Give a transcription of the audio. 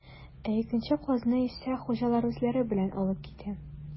Ә икенче казны исә хуҗалар үзләре белән алып китә.